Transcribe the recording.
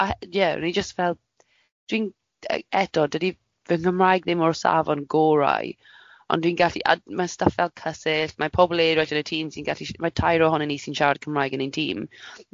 A ie o'n i jyst fel dwi'n eto dydi fy Nghymraeg ddim o'r safon gorau ond dwi'n gallu a- ma' stwff fel cysill, ma' pobl eroed yn y tîm sy'n gallu sh- ma' tair ohonon ni sy'n siarad Cymraeg yn ein tîm.